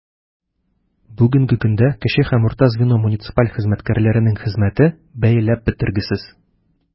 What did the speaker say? Бүгенге көндә кече һәм урта звено муниципаль хезмәткәрләренең хезмәте бәяләп бетергесез.